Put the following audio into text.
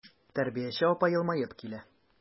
Тәрбияче апа елмаеп килә.